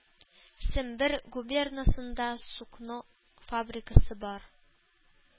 Сембер губернасында сукно фабрикасы бар.